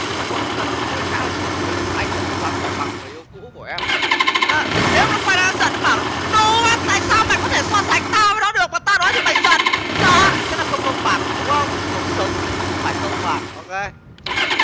nhưng mà thôi chúng ta nói chủ đề khác được chứ còn người yêu anh sẽ cố gắng để bằng người yêu cũ của em à nếu nó quay lại nó giận nó bảo là đù má tại sao mày có thể so sánh tao với nó được mà tao nói thì mày giận hả thế là không công bằng đúng không cuộc sống phải công bằng ô kê